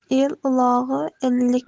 el ulog'i ellik